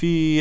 fii dugub